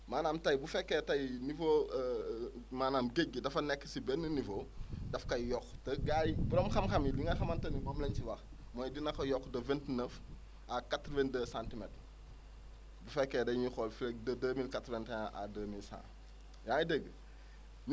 maanaam tey bu fekkee tey niveau maanaam géej gi dafa nekk si benn niveau daf koy yokk te gars yi borom xam-xam yi li nga xamante ni moom la ñu si wax mooy dina ko yokk de vingt neuf à quatre vingt deux centimètres bu fekkee da ñuy xool fii ak deux mille quatre vingt et un à deux mille cent yaa ngi dégg